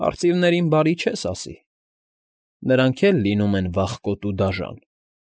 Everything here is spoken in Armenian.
Արծիվներին բարի չես ասի։ Նրանք էլ լինում են վախկոտ ու դաժան։